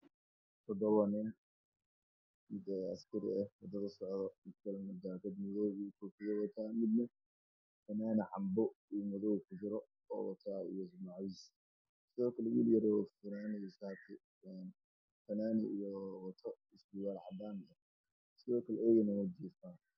Meeshaas waxa marayo bajaaj ay saaran yihiin labo gabdhood oo xijaabo buluug ah qabo